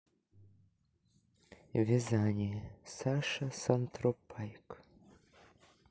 вязание саша сантропайк